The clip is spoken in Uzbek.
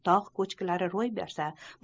tog' ko'chkilari ro'y bersa